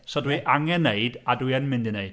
So dwi angen wneud, a dwi yn mynd i wneud.